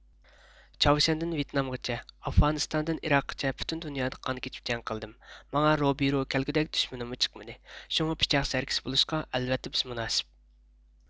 چاۋشيەندىن ۋېيتنامغىچە ئافغانىستاندىن ئىراققىچە پۈتۈن دۇنيادا قان كېچىپ جەڭ قىلدىم ماڭا روبىرو كەلگۈدەك دۈشمىنىممۇ چىقمىدى شۇڭا پىچاق سەركىسى بولۇشقا ئەلۋەتتە بىز مۇناسىپ